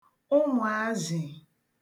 ụmụ̀azhị̀